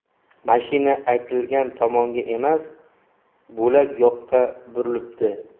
mashina aytilgan tomonga emas bo'lak yoqqa burilibdi